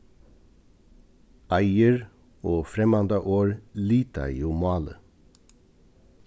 eiðir og fremmandorð lita jú málið